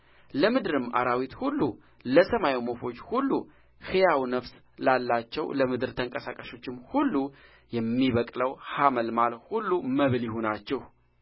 ለምድርም አራዊት ሁሉ ለሰማይም ወፎች ሁሉ ሕያው ነፍስ ላላቸው ለምድር ተንቀሳቃሾችም ሁሉ የሚበቅለው ሐመልማል ሁሉ መብል ይሁንላቸው